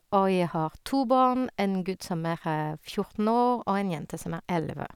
Og jeg har to barn, en gutt som er fjorten år og en jente som er elleve.